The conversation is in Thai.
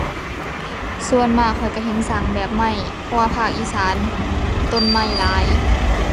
ส่วนมากข้อยก็เห็นสร้างแบบไม้ เพราะว่าภาคอีสานต้นไม้หลาย